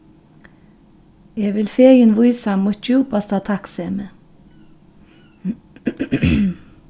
eg vil fegin vísa mítt djúpasta takksemi